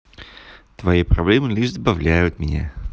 твои проблемы лишь забавляют меня